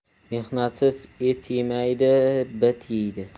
mehnatsiz et yemaydi bit yeydi